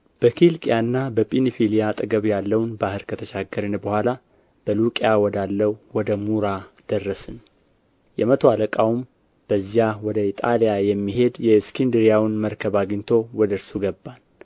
በኪልቅያና በጵንፍልያም አጠገብ ያለውን ባሕር ከተሻገርን በኋላ በሉቅያ ወዳለ ወደ ሙራ ደረስን የመቶ አለቃውም በዚያ ወደ ኢጣሊያ የሚሄድ የእስክንድርያውን መርከብ አግኝቶ ወደ እርሱ አገባን